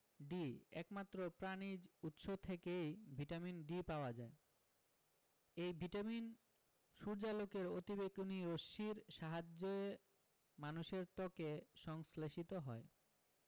D একমাত্র প্রাণিজ উৎস থেকেই ভিটামিন D পাওয়া যায় এই ভিটামিন সূর্যালোকের অতিবেগুনি রশ্মির সাহায্যে মানুষের ত্বকে সংশ্লেষিত হয়